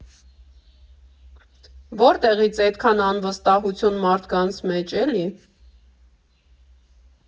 Ո՞րտեղից էդքան անվստահություն մարդկանց մեջ, էլի։